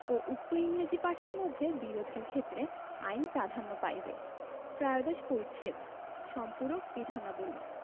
ও উক্ত ইংরেজী পাঠের মধ্যে বিরোধের ক্ষেত্রে আইন প্রাধান্য পাইবে ক্রায়োদশ পরিচ্ছেদ সম্পূরক বিধানাবলী